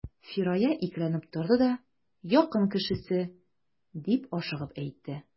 Фирая икеләнеп торды да: — Якын кешесе,— дип ашыгып әйтте.